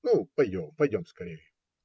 Ну, пойдем, пойдем скорее.